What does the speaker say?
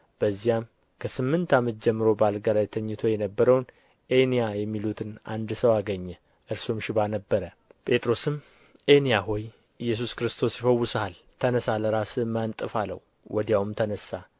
በዚያም ከስምንት ዓመት ጀምሮ በአልጋ ላይ ተኝቶ የነበረውን ኤንያ የሚሉትን አንድ ሰው አገኘ እርሱም ሽባ ነበረ ጴጥሮስም ኤንያ ሆይ ኢየሱስ ክርስቶስ ይፈውስሃል ተነሣ ለራስህም አንጥፍ አለው ወዲያውም ተነሣ